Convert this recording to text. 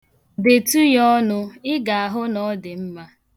Detụ ya ọnụ, ị ga-ahụ na ọ dị mma.